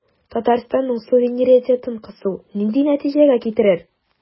Татарстанның суверенитетын кысу нинди нәтиҗәгә китерер?